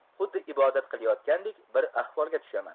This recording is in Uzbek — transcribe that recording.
xuddi ibodat qilayotgandek bir ahvolga tushaman